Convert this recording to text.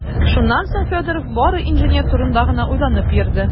Шуннан соң Федоров бары инженер турында гына уйланып йөрде.